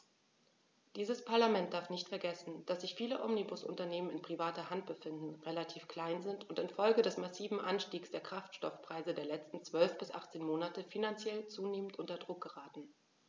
Dieses Parlament darf nicht vergessen, dass sich viele Omnibusunternehmen in privater Hand befinden, relativ klein sind und in Folge des massiven Anstiegs der Kraftstoffpreise der letzten 12 bis 18 Monate finanziell zunehmend unter Druck geraten.